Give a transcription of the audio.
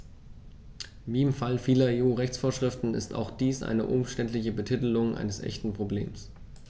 Wie im Fall vieler EU-Rechtsvorschriften ist auch dies eine umständliche Betitelung eines echten Problems.